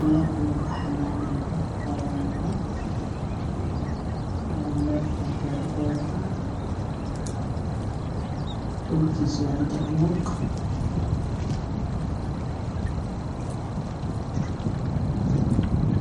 Waa beer banaan waa cagaar